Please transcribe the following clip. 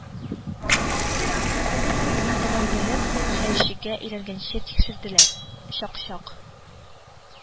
Мин тәмам бөлеп, хәерчегә әйләнгәнче тикшерделәр, чак-чак